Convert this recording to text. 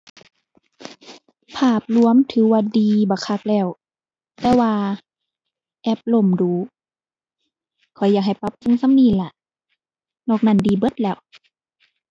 ภาพรวมถือว่าดีบักคักแล้ว แต่ว่าแอปล่มดู๋ ข้อยอยากให้ปรับปรุงส่ำนี้ล่ะ นอกนั้นดีเบิดแล้ว